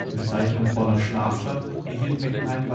Bezeichnung „ Bonner Schlafstadt “erhielt Meckenheim